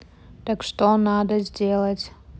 так что надо сделать